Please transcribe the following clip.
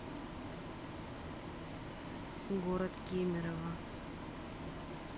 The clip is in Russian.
город кемерово